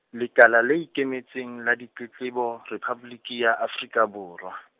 Lekala le Ikemetseng la Ditletlebo, Rephaboliki ya Afrika Borwa.